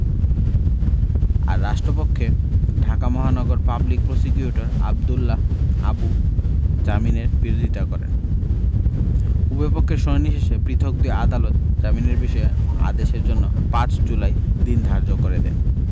আর রাষ্টপক্ষে ঢাকা মহানগর public prosecutor Abdullah Abu জামিনের বিরোধিতা করেন উভয়পক্ষের শুনানি শেষে পৃথক দুই আদালত জামিনের বিষয়ে আদেশের জন্য ৫ জুলাই দিন ধার্য করে দেন